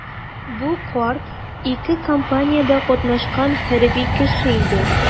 Бу карт ике кампаниядә катнашкан хәрби кеше иде.